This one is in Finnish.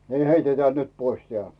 niin heitetään nyt pois tämä